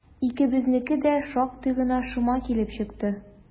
Икебезнеке дә шактый гына шома килеп чыкты.